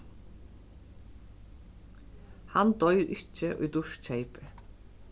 hann doyr ikki ið dýrt keypir